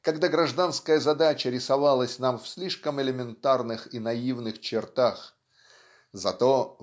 когда гражданская задача рисовалась нам в слишком элементарных и наивных чертах зато